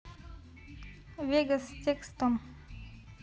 вегас с текстом